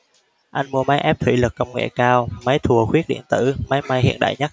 anh mua máy ép thủy lực công nghệ cao máy thùa khuyết điện tử máy may hiện đại nhất